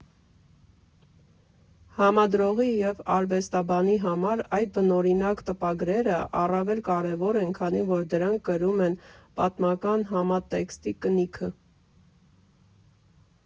Համադրողի և արվեստաբանի համար այդ բնօրինակ տպագրերը առավել կարևոր են, քանի որ դրանք կրում են պատմական համատեքստի կնիքը։